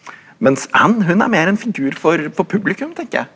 mens Anne hun er mer enn figur for for publikum tenker jeg.